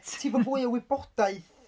Ti efo fwy o wybodaeth!